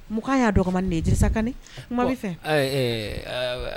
U ko' y'a dɔgɔ ma nedisa ka fɛ